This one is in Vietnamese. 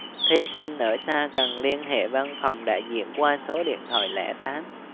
thí sinh ở xa cần liên hệ văn phòng đại diện qua số điện thoại lẻ tám